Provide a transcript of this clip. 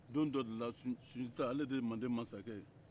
don dɔ de la sunjata ale de ye mande masakɛ ye